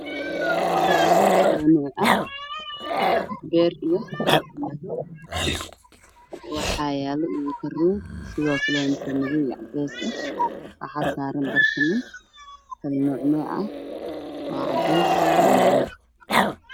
Meshaan waxaa yaalo labo qeybiso mid weyn iyo mid yar